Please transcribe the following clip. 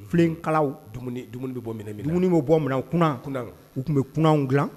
Filenkalaw dumuni dumuni bɛ bɔ minɛn min na dumuni bɛ bɔ u tun bɛ kunanw gilan